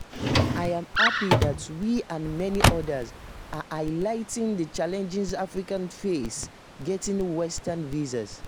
I am happy that we, and many others, are highlighting the challenges Africans face getting Western visas.